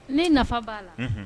Ne nafa b'a la